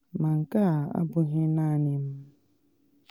Ma nke a abụghị naanị m.